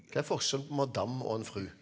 hva er forskjellen på en madam og en fru?